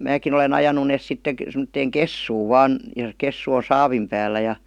minäkin olen ajanut ne sitten - semmoiseen kessuun vain ja kessu on saavin päällä ja